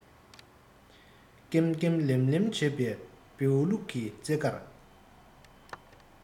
ཀེམ ཀེམ ལིང ལིང བྱེད པའི བེའུ ལུག གི རྩེད གར